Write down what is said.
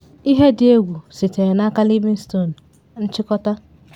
‘Ihe dị egwu’ sitere n’aka Livingston - nchịkọta